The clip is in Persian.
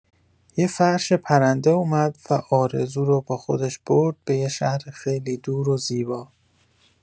یه فرش پرنده اومد و آرزو رو با خودش برد به یه شهر خیلی دور و زیبا.